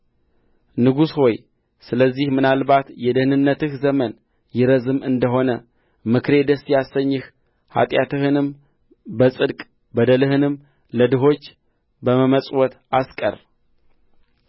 ንጉሥ ሆይ ስለዚህ ምናልባት የደኅንነትህ ዘመን ይረዝም እንደ ሆነ ምክሬ ደስ ያሰኝህ ኃጢአትህንም በጽድቅ በደልህንም ለድሆች በመመጽወት አስቀር